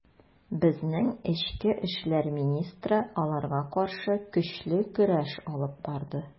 Безнең эчке эшләр министры аларга каршы көчле көрәш алып барды.